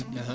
ahan